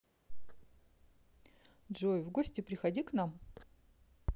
джой в гости приходи к нам